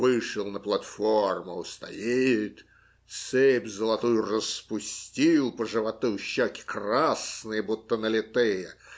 вышел на платформу, стоит, цепь золотую распустил по животу, щеки красные, будто налитые.